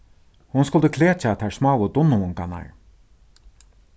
hon skuldi klekja teir smáu dunnuungarnar